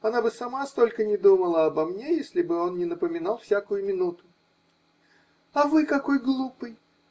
она бы сама столько не думала обо мне, если бы он не напоминал всякую минуту. -- А вы какой глупый.